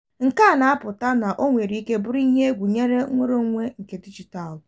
Nke a ga-apụta na ọ nwere ike bụrụ ihe egwu nye nwereonwe nke dijitalụ.